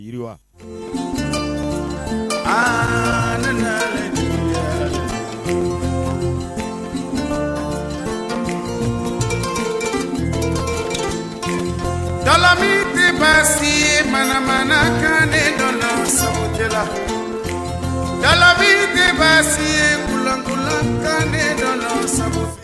Jalalamuti ba banamana kan nilɔ sanjɛ jalabiti basiugulankunla kanlɔ sa